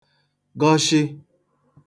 gọshị